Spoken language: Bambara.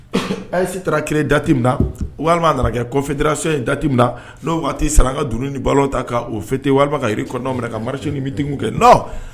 Ayise dati min na walima nana kɛ kɔfetirira in da na n'o waati saraka ka dunun ni balo ta' o fite walima kairi kɔnɔtɔn minɛ ka mari ni kɛ